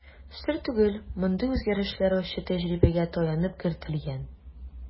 Сер түгел, мондый үзгәрешләр ачы тәҗрибәгә таянып кертелгән.